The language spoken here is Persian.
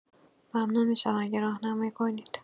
ممنون می‌شم اگه راهنمایی کنید